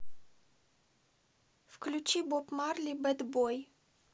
включи боб марли бэд бой